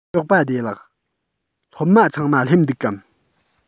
ཞོགས པ བདེ ལེགས སློབ མ ཚང མ སླེབས འདུག གམ